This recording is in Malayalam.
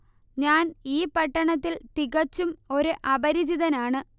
ഞാൻ ഈ പട്ടണത്തിൽ തികച്ചും ഒരു അപരിചിതനാണ്